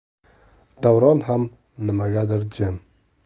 davron ham nimagadir jim